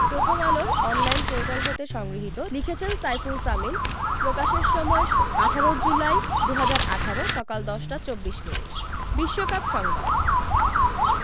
প্রথম আলোর online portal হতে সংগৃহীত লিখেছেন সাইফুল সামিন প্রকাশের সময় ১৮ জুলাই ২০১৮ সকাল ১০টা ২৪ মিনিট বিশ্বকাপ সংবাদ